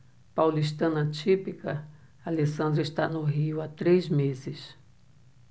paulistana típica alessandra está no rio há três meses